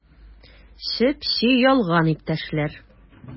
Чеп-чи ялган, иптәшләр!